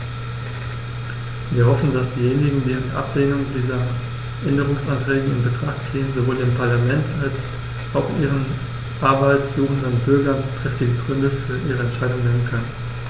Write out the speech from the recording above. Wir hoffen, dass diejenigen, die eine Ablehnung dieser Änderungsanträge in Betracht ziehen, sowohl dem Parlament als auch ihren Arbeit suchenden Bürgern triftige Gründe für ihre Entscheidung nennen können.